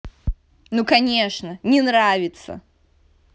ну конечно не нравится